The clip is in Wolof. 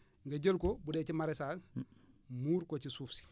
nga jël ko bu dee ci maraichage muur ko ci suuf si